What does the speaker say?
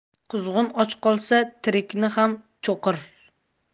quzg'un och qolsa tirikni ham cho'qir